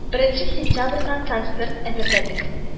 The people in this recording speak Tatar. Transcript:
Беренче сентябрьгә концерт әзерләдек